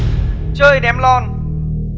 chơi ném lon